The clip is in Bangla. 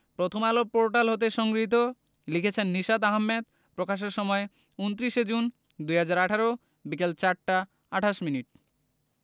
প্রথমআলো পোর্টাল হতে সংগৃহীত লিখেছেন নিশাত আহমেদ প্রকাশের সময় ২৯ জুন ২০১৮ বিকেল ৪টা ২৮ মিনিট